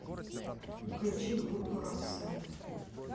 включи группу роксет